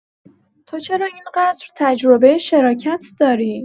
تو چرا این‌قدر تجربه شراکت داری؟